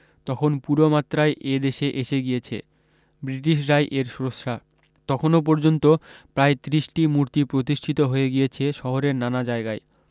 তখন পুরোমাত্রায় এ দেশে এসে গিয়েছে ব্রিটিশরাই এর স্রসা তখনও পর্যন্ত প্রায় ত্রিশটি মূর্তি প্রতিষ্ঠিত হয়ে গিয়েছে শহরের নানা জায়গায়